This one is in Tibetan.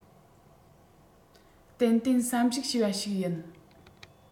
ཏན ཏན བསམ གཞིགས བྱས པ ཞིག ཡིན